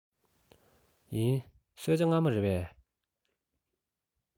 ཡིན གསོལ ཇ མངར མོ རེད པས